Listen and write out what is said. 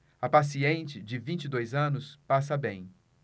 a paciente de vinte e dois anos passa bem